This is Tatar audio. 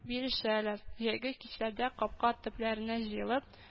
Бирешәләр, җәйге кичләрдә капка төпләренә җыелып